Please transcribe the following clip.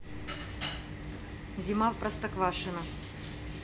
зима в простоквашино